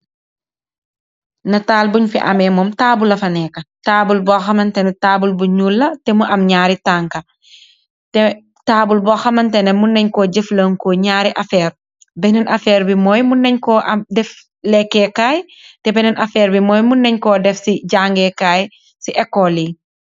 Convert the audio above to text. Neetal bung fi ameh momm tabal lafa neka tabal bo xamantehneh tabal bu nuul la teh mu aam naar yi tanka teh tabale bu xaman teh mum neng ko jefelandeko naar yi afer benen afer boi mun neng ko def leku kai teh benen afer bi moi mun neng ko def si jangeh kai si ecole yi.